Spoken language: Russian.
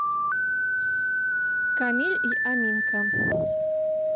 камиль и аминка